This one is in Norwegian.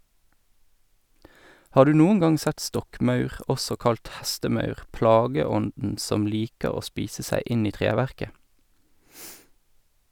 Har du noen gang sett stokkmaur, også kalt hestemaur, plageånden som liker å spise seg inn i treverket?